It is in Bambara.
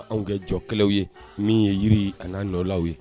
Anw kɛ jɔkɛlaw ye min ye yiri ani'an dɔlɔlaw ye